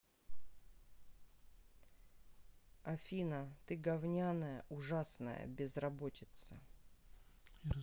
афина ты говняная ужасная безработица